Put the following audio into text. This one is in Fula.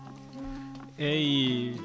eyyi